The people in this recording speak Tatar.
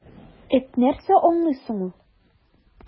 Эт нәрсә аңлый соң ул!